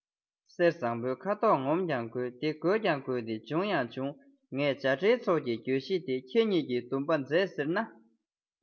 གསེར བཟང པོའི ཁ དོག ངོམས ཀྱང དགོས དེ དགོས ཀྱང དགོས ཏེ བྱུང ཡང བྱུང ངེས བྱ སྤྲེལ ཚོགས ཀྱི གྱོད གཞི འདི ཁྱེད གཉིས ཀྱིས སྡུམ པ མཛད ཟེར ན